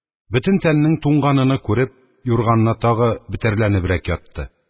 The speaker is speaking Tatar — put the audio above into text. Бөтен тәненең туңганыны күреп, юрганына тагы бөтәрләнебрәк ятты.